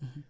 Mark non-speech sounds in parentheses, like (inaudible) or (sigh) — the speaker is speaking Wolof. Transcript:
(hesitation) (hesitation)